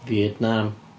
Fietnam?